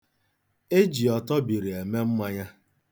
E ji ọtọbiri eme mmanya.